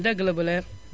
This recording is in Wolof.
dëgg la bu leer